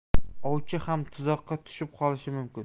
ovchi ham tuzoqqa tushib qolishi mumkin